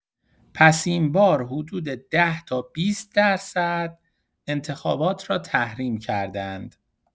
پس این‌بار حدود ده‌تا بیست درصد، انتخابات را تحریم کرده‌اند.